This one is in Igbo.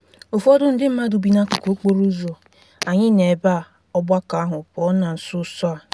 Ụfọdụ ndị mmadụ bi n'akụkụ okporo ụzọ, anyị n'ebe ọgbakọ ahụ pụọ na nsoso a.